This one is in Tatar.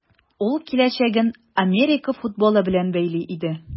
Ул киләчәген Америка футболы белән бәйли иде.